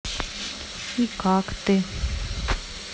и как ты